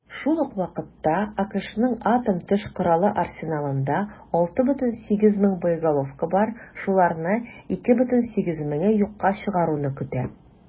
Шул ук вакытта АКШның атом төш коралы арсеналында 6,8 мең боеголовка бар, шуларны 2,8 меңе юкка чыгаруны көтә.